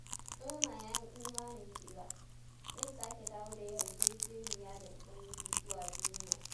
Ouma ya yi imanin cewa, zai sake dawo da yarjejiniya da Ubangiji zuwa duniya.